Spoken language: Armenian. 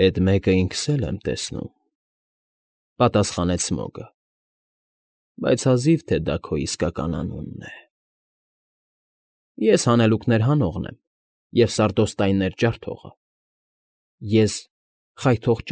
Էդ մեկը ինքս էլ եմ տեսնում,֊ պատասխանեց Սմոգը։֊ Բայց հազիվ թե դա քո իսկական անունն է։ ֊ Ես Հանելուկներ հանողն եմ ու Սարդոստայններ Ջարդողը, ես Խայթող։